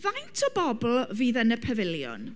Faint o bobl fydd yn y pafiliwn?